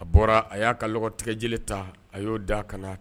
A bɔra a y'a ka tigɛjele ta a y'o da a kan